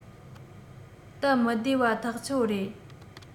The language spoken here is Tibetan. སྟབས མི བདེ བ ཐག ཆོད རེད